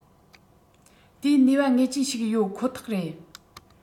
དེ ནུས པ ངེས ཅན ཞིག ཡོད ཁོ ཐག རེད